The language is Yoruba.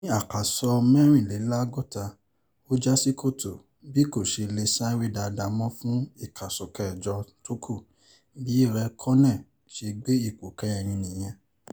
Ní àkàsọ̀ 44, ó jásí kòtò. Bí kò ṣe lè sáré dáadáa mọ́ fún àkàsọ 8 tó kù. Bí Raikkonen se gbé ipò kẹrin nìyẹn.